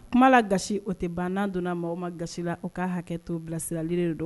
Kuma la gasi o te ban n'an donna maa o maa gasi la o ka hakɛ to bilasirali de don